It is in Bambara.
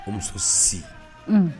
O muso si, unhun.